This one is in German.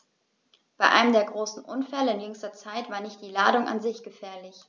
Bei einem der großen Unfälle in jüngster Zeit war nicht die Ladung an sich gefährlich.